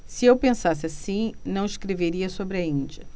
se eu pensasse assim não escreveria sobre a índia